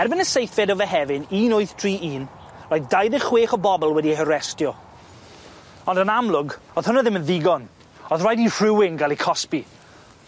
Erbyn y seithfed o Fehefin un wyth tri un, roedd dau ddeg chwech o bobol wedi'u harestio, on' yn amlwg, o'dd hwnna ddim yn ddigon, o'dd raid i rhywun ga'l ei cosbi.